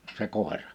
se koira